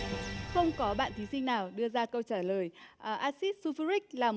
không có bạn thí sinh nào đưa ra câu trả lời ờ a xít sun phu rích là